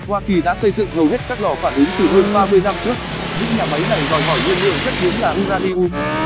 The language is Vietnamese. hoa kỳ đã xây dựng hầu hết các lò phản ứng từ hơn năm trước những nhà máy này đòi hỏi nguyên liệu rất hiếm là uranium